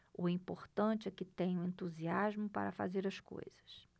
o importante é que tenho entusiasmo para fazer as coisas